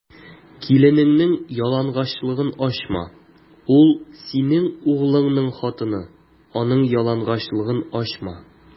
Киленеңнең ялангачлыгын ачма: ул - синең углыңның хатыны, аның ялангачлыгын ачма.